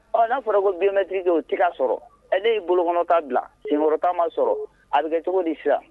Ɔ n'a fɔra ko binbetigi o tiga sɔrɔ ale y'i bolokɔnɔta bila sikɔrɔ camanma sɔrɔ a bɛ kɛ cogo disira